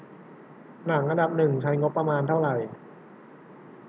หนังอันดับหนึ่งใช้งบประมาณเท่าไหร่